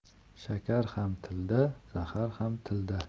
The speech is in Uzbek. shakar ham tilda zahar ham tilda